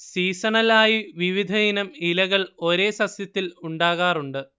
seasonal ആയി വിവിധയിനം ഇലകൾ ഒരേ സസ്യത്തിൽ ഉണ്ടാകാറുണ്ട്